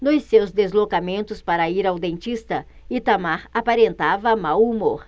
nos seus deslocamentos para ir ao dentista itamar aparentava mau humor